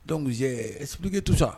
Dɔnkuse pki tu sɔn